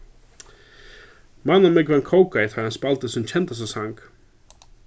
mannamúgvan kókaði tá hann spældi sín kendasta sang